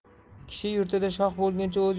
kishi yurtida shoh bo'lguncha